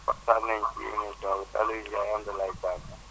kontaan nañu si émission bi Saliou Ndiaye Amndalaay Thiameen